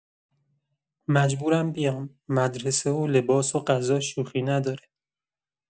مجبورم بیام، مدرسه و لباس و غذا شوخی نداره.